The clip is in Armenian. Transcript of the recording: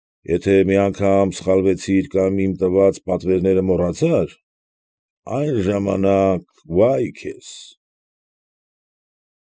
Եթե մի անգամ սխալվեցիր կամ իմ տված պատվերները մոռացար ֊ այն ժամանակ վա՛յ քեզ։